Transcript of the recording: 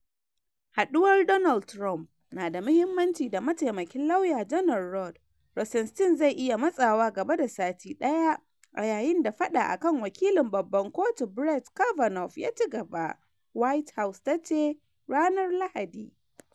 Haduwar Donald Trump na mahimmanci da mataimakin lauya janar Rod Rosenstein zai iya “matsawa gaba da sati daya” a yayin da fada akan waklin babban kotu Brett Kavanaugh ya ci gaba, White House ta ce ranar Lahadi.